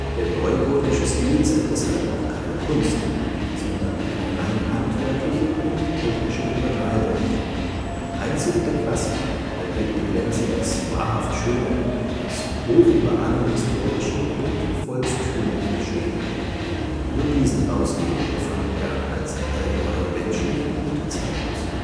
Der neugotische Stil sei deshalb auch keine Kunst, sondern eine rein handwerkliche und technische Übertreibung. Einzig in der Klassik erblickte Klenze das „ wahrhaft Schöne “, das „ hoch über allem Historischen und Volksthümlichen “stehe. Nur diesen Baustil empfand er als allgemein menschlich und zeitlos